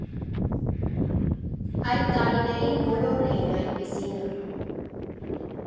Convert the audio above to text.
Այդ տարիներին բոլորն էին այդպիսինը.